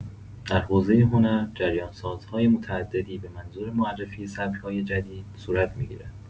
در حوزه هنر، جریان‌سازی‌های متعددی به منظور معرفی سبک‌های جدید صورت می‌گیرد.